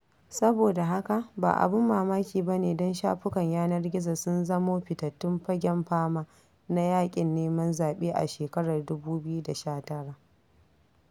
Saboda haka, ba abun mamaki ba ne don shafukan yanar gizo sun zamo fitattun fagen fama na yaƙin neman zaɓe a shekarar 2019.